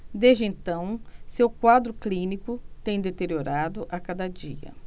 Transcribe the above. desde então seu quadro clínico tem deteriorado a cada dia